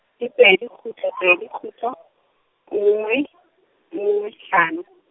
ke pedi kgutlo pedi kgutlo, nngwe, nngwe hlano .